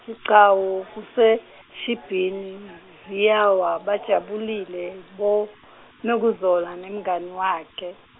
Sigcawu Kuseshibhini ziyawa bajabulile boNokuzola nemngani wakhe.